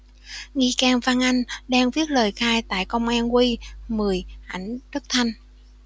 nghi can văn anh đang viết lời khai tại công an q mười ảnh đức thanh